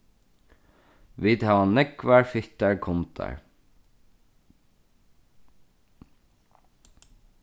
vit hava nógvar fittar kundar